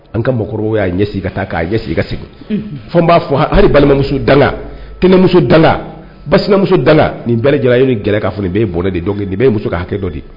An ka mɔgɔkɔrɔbaw y'a ɲɛsigi ka ta k'a ɲɛsigi ka segin unhun fɔ n b'a fɔ hali balimamusodaŋa tɛnɛmusodaŋa basinamusodaŋa nin bɛɛ lajɛlen a ye nin gɛlɛya k'a fɔ nin bɛɛ ye bɔnɛ de ye donc nin bɛɛ ye muso ka hakɛ dɔ de ye